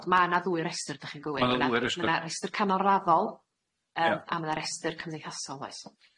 Ond ma' na ddwy restyr dach chi'n gywir. Ma' na ddwy restyr. Ma' na restyr canolraddol yym a ma' na restyr cymdeithasol oes?